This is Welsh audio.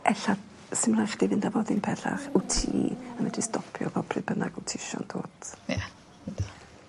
Ella s'im rhai chdi fynd â fo ddim pellach wt ti yn medri stopio fo pry bynnag wt ti isio yndwt? Ia yndw.